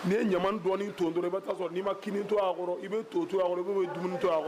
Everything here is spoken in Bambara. N'i ɲama dɔɔnini to to i bɛ taa sɔrɔ n'i ma kini to a kɔrɔ i bɛ to to i bɛ dumuniini to wa